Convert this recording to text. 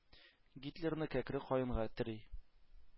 Гитлерны кәкре каенга тери.